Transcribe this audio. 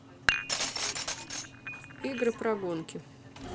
игры про гонки